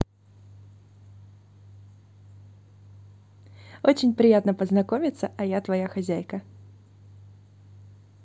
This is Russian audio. очень приятно познакомиться а я твоя хозяйка